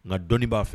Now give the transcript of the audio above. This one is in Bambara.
Nka dɔnni b'a fɛ